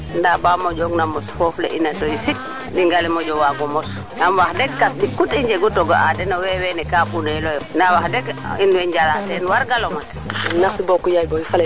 i simna teen a Therese Faye i contente na ten bo waay ngidma a baab Dom fe ando naye ten weta nu in a ɗingale bo i mbaaago njeg o buntu i sikiran no dara koy yasam o yaalo xe barke in te moof ba ɓaɗa kam ɓaslum